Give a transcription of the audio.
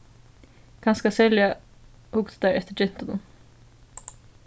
kanska serliga hugdu teir eftir gentunum